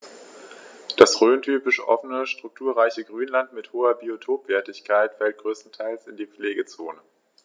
Das rhöntypische offene, strukturreiche Grünland mit hoher Biotopwertigkeit fällt größtenteils in die Pflegezone.